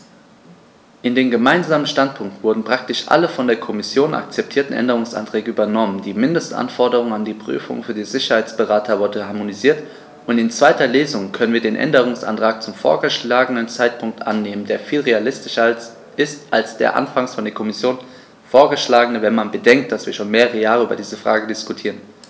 In den gemeinsamen Standpunkt wurden praktisch alle von der Kommission akzeptierten Änderungsanträge übernommen, die Mindestanforderungen an die Prüfungen für die Sicherheitsberater wurden harmonisiert, und in zweiter Lesung können wir den Änderungsantrag zum vorgeschlagenen Zeitpunkt annehmen, der viel realistischer ist als der anfangs von der Kommission vorgeschlagene, wenn man bedenkt, dass wir schon mehrere Jahre über diese Frage diskutieren.